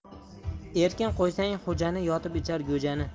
erkin qo'ysang xo'jani yotib ichar go'jani